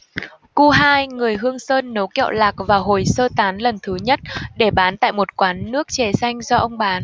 cu hai người hương sơn nấu kẹo lạc vào hồi sơ tán lần thứ nhất để bán tại một quán nước chè xanh do ông bán